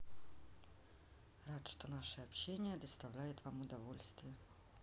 рад что наше общение доставляет вам удовольствие